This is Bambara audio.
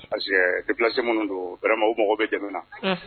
Parce que pfi minnu don bɛrɛma o mɔgɔ bɛ jamanaɛna